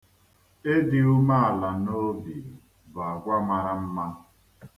Ịdị umela n'obi bụ agwa mara mma.